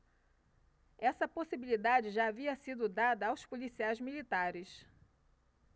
essa possibilidade já havia sido dada aos policiais militares